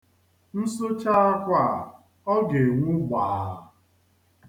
M sụchaa akwa a, ọ ga-enwu gbaa.